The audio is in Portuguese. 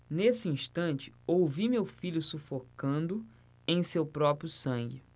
nesse instante ouvi meu filho sufocando em seu próprio sangue